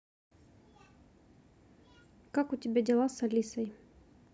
как у тебя дела с алисой